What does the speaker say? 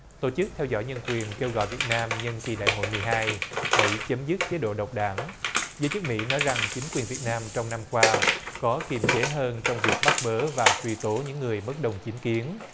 tổ chức theo dõi nhân quyền kêu gọi việt nam nhưng khi đại hội mười hai hãy chấm dứt chế độ độc đảng giới chức mỹ nói rằng chính quyền việt nam trong năm qua có kiềm chế hơn trong việc bắt bớ và truy tố những người bất đồng chính kiến